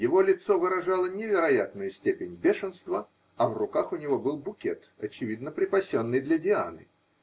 его лицо выражало невероятную степень бешенства, а в руках у него был букет, очевидно, припасенный для Дианы.